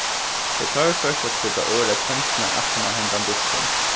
tað er torført at seta orð á kenslurnar aftan á hendan dystin